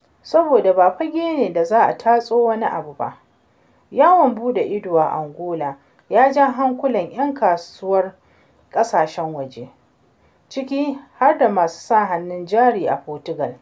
Saboda ba fage ne da za a tatso wani abu ba, yawon buɗe ido a Angola ya ja hankalin 'yan kasuwar ƙasashen waje, ciki har da masu sa hannun jari na Portugual.